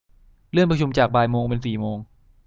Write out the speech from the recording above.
เลื่อนประชุมจากบ่ายโมงเป็นสี่โมง